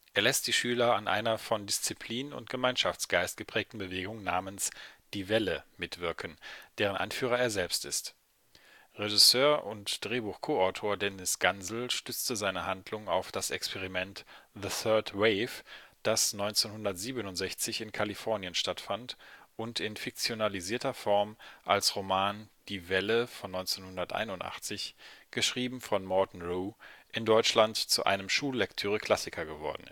Er lässt die Schüler an einer von Disziplin und Gemeinschaftsgeist geprägten Bewegung namens Die Welle mitwirken, deren Anführer er selbst ist. Regisseur und Drehbuchkoautor Dennis Gansel stützte seine Handlung auf das Experiment „ The Third Wave “, das 1967 in Kalifornien stattfand und in fiktionalisierter Form als Roman Die Welle (1981), geschrieben von Morton Rhue, in Deutschland zu einem Schullektüre-Klassiker geworden